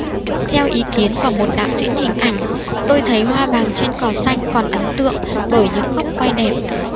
theo ý kiến của một đạo diễn hình ảnh tôi thấy hoa vàng trên cỏ xanh còn ấn tượng bởi những góc quay đẹp